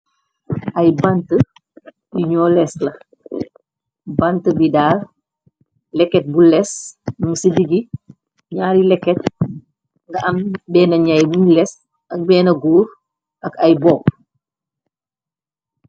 Ay bante yuñoo lees la banti bi daal lekket bu les mun ci diggi ñyaari lekket nga am benn ñay buñ lees ak benn guur ak ay bopp.